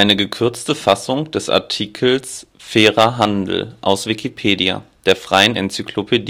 hören den Artikel Fairer Handel, aus Wikipedia, der freien Enzyklopädie